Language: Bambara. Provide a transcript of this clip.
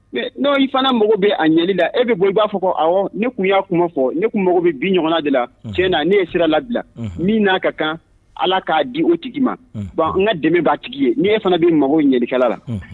N'o i fana mako bɛ a ɲɛli la e bɛ bɔ i b'a fɔ ko ne tun y'a kuma fɔ ne kun mago bɛ bi ɲɔgɔn de la cɛ na ne ye sira labila min n'a ka kan ala k'a di o tigi ma bɔn n ka dɛmɛ b'a tigi ye n' e fana bɛ mago ɲɛlikɛla la